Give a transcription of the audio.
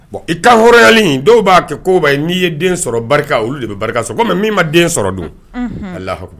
Bon i ta hɔrɔnyalen dɔw b'a kɛ koba ye n'i ye den sɔrɔ barika olu de bɛ barika sɔrɔ komi min ma den sɔrɔ dun a laha